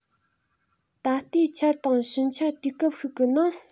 ད ལྟའི ཆར དང ཕྱིན ཆད དུས སྐབས ཤིག གི ནང